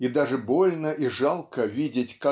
И даже больно и жалко видеть